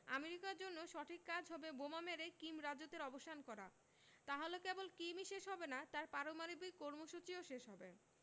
আমেরিকার জন্য সঠিক কাজ হবে বোমা মেরে কিম রাজত্বের অবসান করা তাহলে কেবল কিমই শেষ হবে না তাঁর পারমাণবিক কর্মসূচিও শেষ হবে